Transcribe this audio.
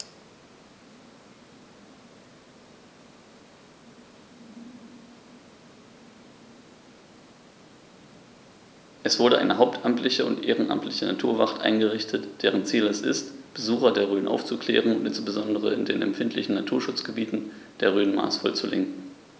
Es wurde eine hauptamtliche und ehrenamtliche Naturwacht eingerichtet, deren Ziel es ist, Besucher der Rhön aufzuklären und insbesondere in den empfindlichen Naturschutzgebieten der Rhön maßvoll zu lenken.